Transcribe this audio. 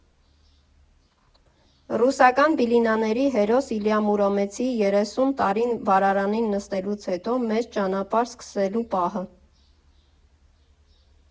Ռուսական բիլինաների հերոս Իլյա Մուրոմեցի՝ երեսուն տարի վառարանին նստելուց հետո մեծ ճանապարհ սկսելու պահը…